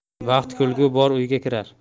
baxt kulgu bor uyga kirar